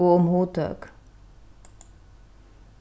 og um hugtøk